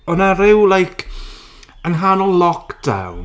Oedd 'na ryw like yng nghanol lockdown...